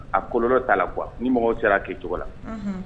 A kɔlɔnlɔ t taa la qu ni mɔgɔw sera a kɛ cogo la